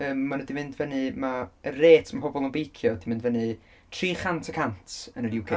Yym, maen nhw 'di mynd fyny. Ma' y rate mae pobl yn beicio 'di mynd fyny tri chant y cant yn yr UK.